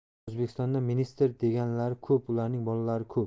o'zbekistonda ministr deganlari ko'p ularning bolalari ko'p